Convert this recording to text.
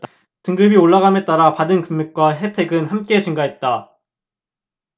등급이 올라감에 따라 받은 금액과 혜택은 함께 증가했다